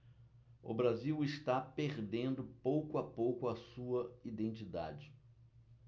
o brasil está perdendo pouco a pouco a sua identidade